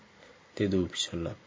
dedi u pichirlab